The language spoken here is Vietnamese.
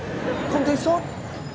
không thấy sốt